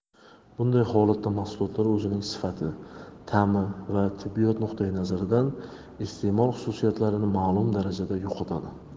bunday holatda mahsulotlar o'zining sifati ta'mi va tibbiyot nuqtai nazaridan iste'mol xususiyatlarini ma'lum darajada yo'qotadi